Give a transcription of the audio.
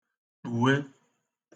kwuwe